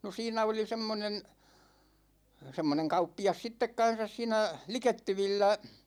no siinä oli semmoinen semmoinen kauppias sitten kanssa siinä likettyvillä